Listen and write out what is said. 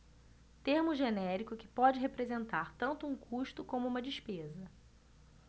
termo genérico que pode representar tanto um custo como uma despesa